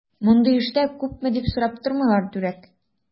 Мондый эштә күпме дип сорап тормыйлар, дүрәк!